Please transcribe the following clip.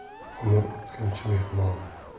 umr o'tkinchi mehmon